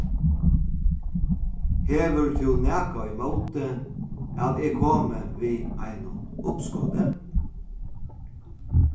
hevur tú nakað ímóti at eg komi við einum uppskoti